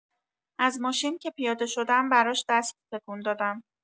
از ماشین که پیاده شدم براش دست تکون دادم.